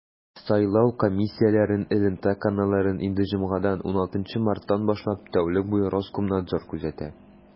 Сайлау комиссияләрен элемтә каналларын инде җомгадан, 16 марттан башлап, тәүлек буе Роскомнадзор күзәтә.